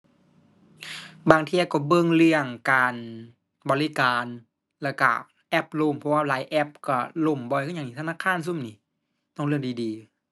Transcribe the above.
บางเที่ยก็เบิ่งเรื่องการบริการแล้วก็แอปล่ม เพราะว่าหลายแอปก็ล่มบ่อยคือหยังหนิ ธนาคารซุมนี้ ต้องเลือกดีดี